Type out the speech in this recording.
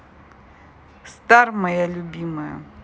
star моя любимая